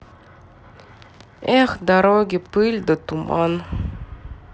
эх дороги пыль да туман